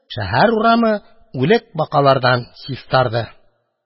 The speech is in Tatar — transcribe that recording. Шәһәр урамы үлек бакалардан чистарды.